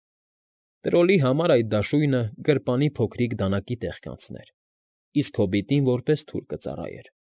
Տրոլի համար այդ դաշույնը գրպանի փոքրիկ դանակի տեղ կանցներ, իսկ հոբիտին որպես թուր կծառայեր։ ֊